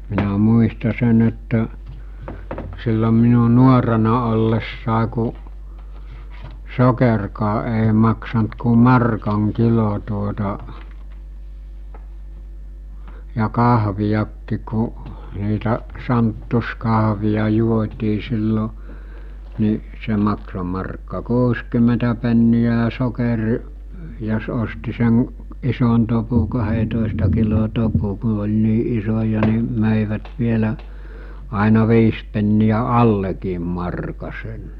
minä muistan sen että silloin minun nuorena ollessa kun sokerikaan ei maksanut kuin markan kilo tuota ja kahviakin kun niitä santtiskahveja juotiin silloin niin se maksoi markka kuusikymmentä penniä ja sokeri jos osti sen ison topun kahdentoista kilon topun kun oli niin isoja niin möivät vielä aina viisi penniä allekin markan sen